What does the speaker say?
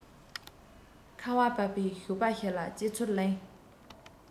ཁ བ བབས པའི ཞོགས པ ཞིག ལ སྐྱེ ཚུལ གླེང